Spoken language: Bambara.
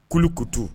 Kulikutu